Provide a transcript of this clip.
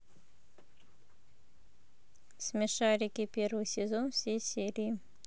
смешарики первый сезон все серии